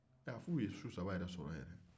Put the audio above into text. ɛ a f'u ye su saba yɛrɛ sɔrɔ yɛrɛ